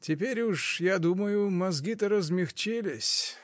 Теперь уж, я думаю, мозги-то размягчились!